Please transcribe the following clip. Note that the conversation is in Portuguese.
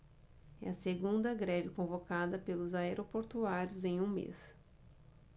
é a segunda greve convocada pelos aeroportuários em um mês